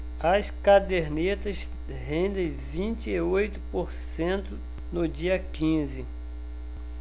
as cadernetas rendem vinte e oito por cento no dia quinze